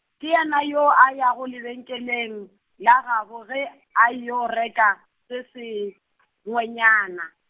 ke yena yoo a yago lebenkeleng, la gabo ge a yeo reka, se sengwenyana.